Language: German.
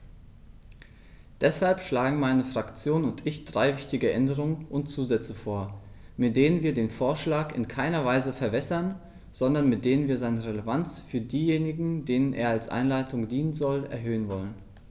Deshalb schlagen meine Fraktion und ich drei wichtige Änderungen und Zusätze vor, mit denen wir den Vorschlag in keiner Weise verwässern, sondern mit denen wir seine Relevanz für diejenigen, denen er als Anleitung dienen soll, erhöhen wollen.